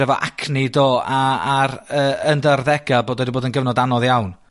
efo acne do? A a'r yy yn dy arddega bod o 'di bod yn gyfnod anodd iawn.